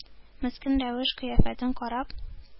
Мескен рәвеш-кыяфәтен карап,